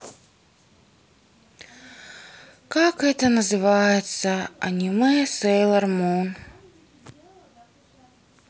как это называется аниме сейлор мун